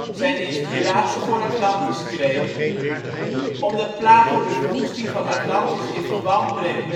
zijn inspiratie voor Atlantis kreeg. Omdat Plato de verwoesting van Atlantis in verband brengt